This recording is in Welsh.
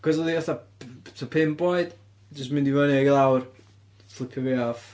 cys oedd hi fatha p- tua pump oed? Jyst yn mynd i fyny ag i lawr, fflipio fi off.